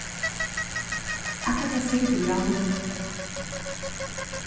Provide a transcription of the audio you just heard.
akkurát hvat segði tú í áðni